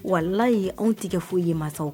Wala' anw tiga foyi yeman